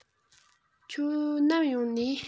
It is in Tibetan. ཁྱོད ནམ ཡོང ནིས